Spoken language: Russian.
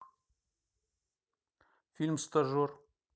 фильм стажер